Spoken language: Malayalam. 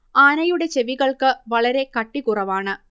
ആനയുടെ ചെവികൾക്ക് വളരെ കട്ടികുറവാണ്